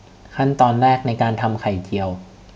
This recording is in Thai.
ขั้นตอนแรกในการทำไข่เจียว